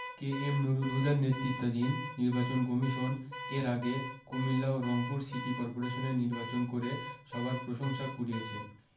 কে M Nurul হুদার নেতৃত্বাধীন নির্বাচন কমিশন এর আগে কুমিল্লা ও রংপুর সিটি করপোরেশন নির্বাচন করে সবার প্রশংসা কুড়িয়েছে